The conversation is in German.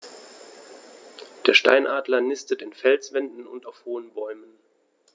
Der Steinadler nistet in Felswänden und auf hohen Bäumen.